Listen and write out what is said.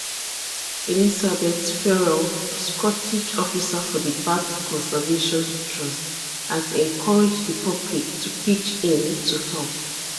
Elisabeth Ferrell, Scottish officer for the Bat Conservation Trust, has encouraged the public to pitch in to help.